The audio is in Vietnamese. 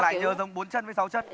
lại nhớ giống bốn chân với sáu chân